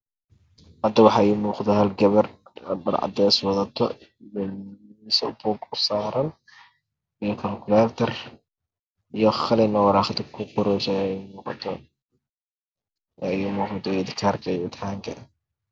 Hada waxa iimuqda halgabar dhar cadeswadadto misbuga usaran iyo kulkuletar iyo qalin waraqada kuqoqoyreso ayaa igaumuqato iyo Aydhikarka intixanka